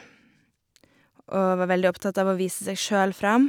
Og var veldig opptatt av å vise seg sjøl fram.